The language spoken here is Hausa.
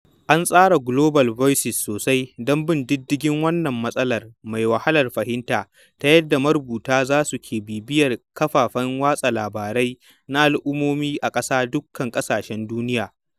An tsara Global Voices sosai don bin diddigin wannan matsalar mai wahalar fahimta ta yadda marubuta za su ke bibiyar kafafen watsa labarai na al’umma a kusan dukan ƙasashen duniya.